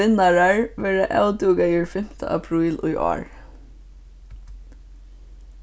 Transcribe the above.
vinnarar verða avdúkaðir fimta apríl í ár